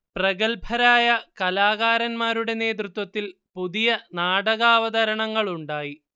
പ്രഗല്ഭരായ കലാകാരന്മാരുടെ നേതൃത്വത്തിൽ പുതിയ നാടകാവതരണങ്ങളുണ്ടായി